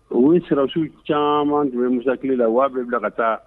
O sirasiw caman tun bɛ mukili la waa bɛ bila ka taa